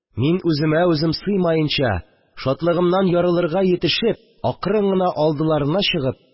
Мин, үземә үзем сыймаенча, шатлыгымнан ярылырга җитешеп, акрын гына алдыларына чыгып,